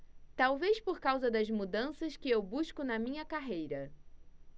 talvez por causa das mudanças que eu busco na minha carreira